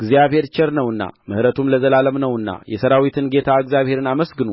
እግዚአብሔር ቸር ነውና ምሕረቱም ለዘላለም ነውና የሠራዊትን ጌታ እግዚአብሔርን አመስግኑ